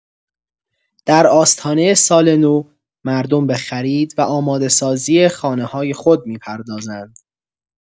در آستانه سال‌نو، مردم به خرید و آماده‌سازی خانه‌های خود می‌پردازند.